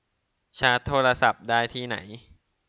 ชาร์จโทรศัพท์ได้ที่ไหน